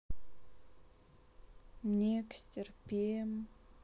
некстер пем